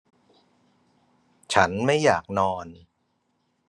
ฉันไม่อยากนอน